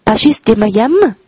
pashist demaganni